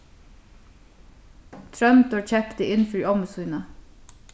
tróndur keypti inn fyri ommu sína